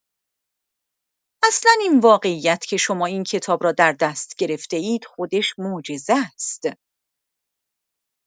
اصلا این واقعیت که شما این کتاب را در دست گرفته‌اید خودش معجزه است.